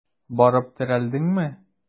Барып терәлдеңме?